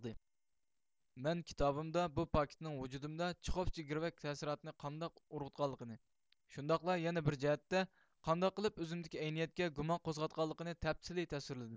مەن كىتابىمدا بۇ پاكىتنىڭ ۋۇجۇدۇمدا چېخوفچە گىرۋەك تەسىراتىنى قانداق ئۇرغۇتقانلىقىنى شۇنداقلا يەنە بىر جەھەتتە قانداق قىلىپ ئۆزۈمدىكى ئەينىيەتكە گۇمان قوزغىغانلىقىنى تەپسىلىي تەسۋىرلىدىم